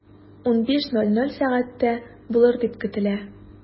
15.00 сәгатьтә булыр дип көтелә.